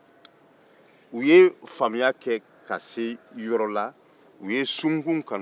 u ye faamuya ke ka se yɔrɔ la u ye sunkun kanu